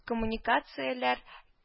Коммуникацияләр